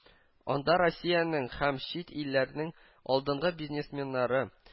Анда россиянең һәм чит илләрнең алдынгы бизнесменнары